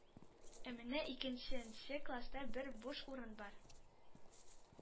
Ә менә 2 нче класста бер буш урын бар.